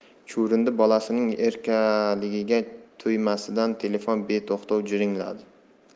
chuvrindi bolasining erkaligiga to'ymasidan telefon beto'xtov jiringladi